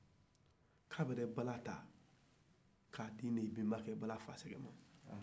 ko a ye bala ta k'a ne de bɛnbakɛ bala faseke ma